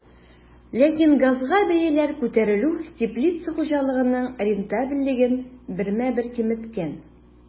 Ләкин газга бәяләр күтәрелү теплица хуҗалыгының рентабельлеген бермә-бер киметкән.